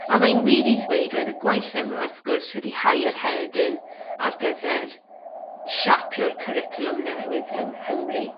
a mae'n wir i ddweud roedd y gwaith yma wrth gwrs wedi hau yr hedyn ar gyfer siapio'r cwricwlwm newydd yng Nghymru.